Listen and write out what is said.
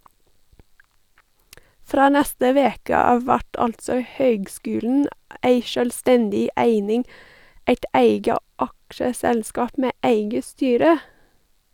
Frå neste veke av vert altså høgskulen ei sjølvstendig eining, eit eige aksjeselskap med eige styre.